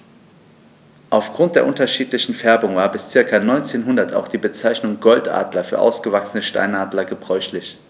Auf Grund der unterschiedlichen Färbung war bis ca. 1900 auch die Bezeichnung Goldadler für ausgewachsene Steinadler gebräuchlich.